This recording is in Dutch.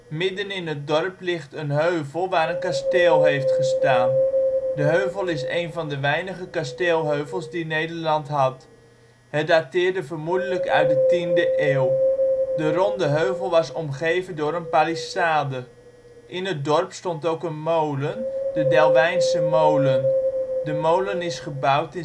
Midden in het dorp ligt een heuvel waar een kasteel heeft gestaan. De heuvel is een van de weinige kasteelheuvels die Nederland had. Het dateerde vermoedelijk uit de 10e eeuw. De ronde heuvel was omgeven door een palissade. In het dorp stond ook een molen, de ' Delwijnse molen '. De molen is gebouwd